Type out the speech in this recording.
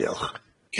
Diolch.